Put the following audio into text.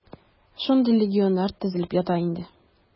Шундый легионнар төзелеп ята инде.